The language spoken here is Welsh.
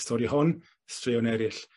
y stori hwn, straeon eryll,